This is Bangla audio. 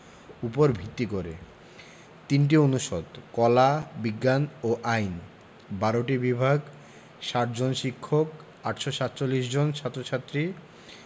উপর ভিত্তি করে ৩টি অনুষদ কলা বিজ্ঞান ও আইন ১২টি বিভাগ ৬০ জন শিক্ষক ৮৪৭ জন ছাত্র ছাত্রী